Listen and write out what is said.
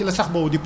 bekoor